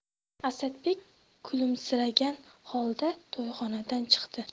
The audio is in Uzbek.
asadbek kulimsiragan holda to'yxonadan chiqdi